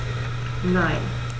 Nein.